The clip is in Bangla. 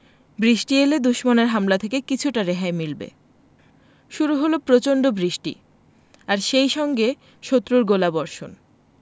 বৃষ্টি এলে দুশমনের হামলা থেকে কিছুটা রেহাই মিলবে শুরু হলো প্রচণ্ড বৃষ্টি আর সেই সঙ্গে শত্রুর গোলাবর্ষণ